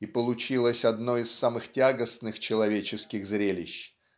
И получилось одно из самых тягостных человеческих зрелищ